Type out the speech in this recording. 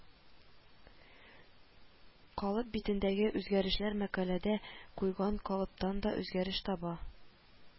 Калып битендәге үзгәрешләр мәкаләдә куйган калыптан да үзгәреш таба